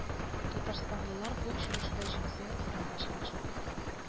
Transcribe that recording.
Татарстанлылар бу очрашуда җиңсә финалга чыгачак